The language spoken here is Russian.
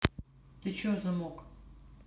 ты че замок